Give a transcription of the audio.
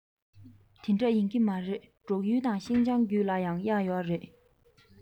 དེ འདྲ ཡིན གྱི མ རེད འབྲུག ཡུལ དང ཤིན ཅང རྒྱུད ལ ཡང གཡག ཡོད རེད